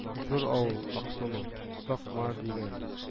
Зур авыл Аксуның, Сакмар, дигән